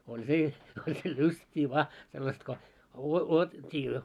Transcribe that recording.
oli se oli se lystiä vain sellaista kun - odotettiin jo